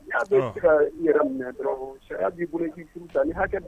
Bɛ se minɛ dɔrɔnburu ta hakɛ